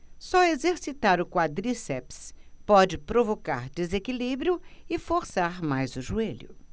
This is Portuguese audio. só exercitar o quadríceps pode provocar desequilíbrio e forçar mais o joelho